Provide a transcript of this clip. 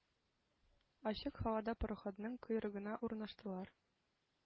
Ачык һавада, пароходның койрыгына урнаштылар.